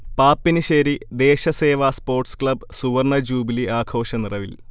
Pappinisseri Desh Seva sports club സുവർണജൂബിലി ആഘോഷനിറവിൽ